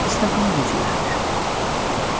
ustaxonaga jo'nardi